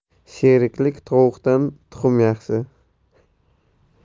sheriklik tovuqdan tuxum yaxshi